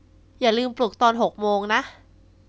อย่าลืมปลุกตอนหกโมงนะ